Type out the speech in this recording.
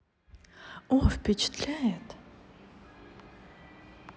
о впечатляет